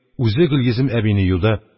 Үзе гөлйөзем әбине юды.